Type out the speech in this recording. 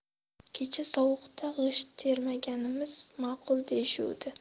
kecha sovuqda g'isht termaganimiz ma'qul deyishuvdi